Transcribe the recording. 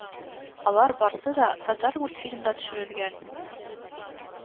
Алар барсы да Татармультфильм да төшерелгән